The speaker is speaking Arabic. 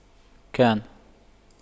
كان